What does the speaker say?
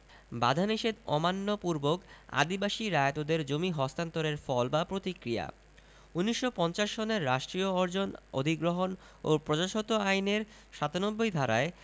বাধানিষেধ অমান্য পূর্বক আদিবাসী রায়তদের জমি হস্তান্তরের ফল বা প্রতিক্রিয়া ১৯৫০ সনের রাষ্ট্রীয় অর্জন অধিগ্রহণ ও প্রজাস্বত্ব আইনের ৯৭ ধারায়